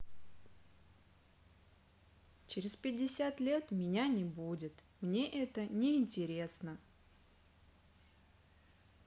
через пятьдесят лет меня не будет мне это не интересно